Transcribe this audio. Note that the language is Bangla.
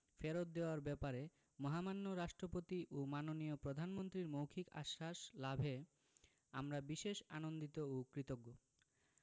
ফেরত দেওয়ার ব্যাপারে মহামান্য রাষ্ট্রপতি ও মাননীয় প্রধানমন্ত্রীর মৌখিক আশ্বাস লাভে আমরা বিশেষ আনন্দিত ও কৃতজ্ঞ